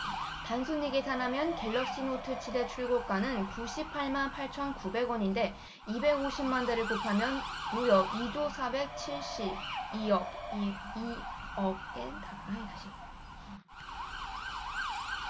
단순히 계산하면 갤럭시노트 칠 의 출고가는 구십 팔 만 팔천 구백 원인데 이백 오십 만대를 곱하면 무려 이 조 사천 칠백 이십 이 억원에 달한다